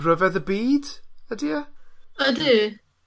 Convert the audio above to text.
ryfedd y byd ydi e? Ydi.